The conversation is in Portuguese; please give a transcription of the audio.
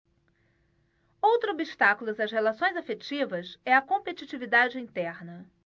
outro obstáculo às relações afetivas é a competitividade interna